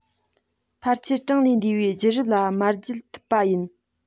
ཕལ ཆེར གྲངས ལས འདས པའི རྒྱུད རབས ལ མར བརྒྱུད ཐུབ པ ཡིན